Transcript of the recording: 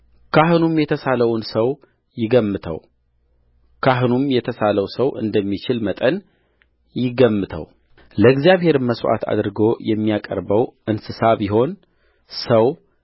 ካህኑም የተሳለውን ሰው ይገምተው ካህኑም የተሳለው ሰው እንደሚችል መጠን ይገምተውለእግዚአብሔርም መሥዋዕት አድርጎ የሚያቀርበው እንስሳ ቢሆን ሰው